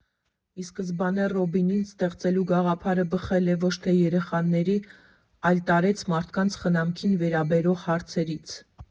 Ի սկզբանե Ռոբինին ստեղծելու գաղափարը բխել է ոչ թե երեխաների, այլ տարեց մարդկանց խնամքին վերաբերող հարցերից։